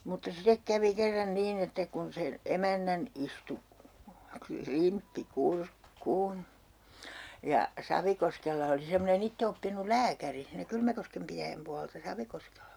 mutta sitten kävi kerran niin että kun sen emännän istui klimppi kurkkuun ja Savikoskella oli semmoinen itseoppinut lääkäri siinä Kylmäkosken pitäjän puolta Savikoskella